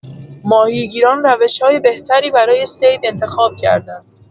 ماهیگیران روش‌های بهتری برای صید انتخاب کردند.